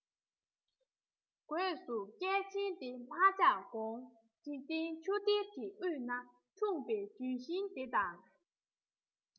སྒོས སུ སྐལ ཆེན འདི མ ཆགས གོང འཇིག རྟེན ཆུ གཏེར གྱི དབུས ན འཁྲུངས པའི ལྗོན ཤིང དེ དང